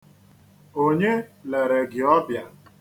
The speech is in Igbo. Onye lere gị ọbịa?